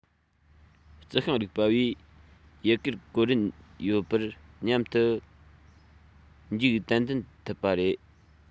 རྩི ཤིང རིག པ བས ཡི གེར བཀོད རིན ཡོད པར སྙམ དུ འཇུག ཏན ཏན ཐུབ པ རེད